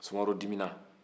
sumaworo dimina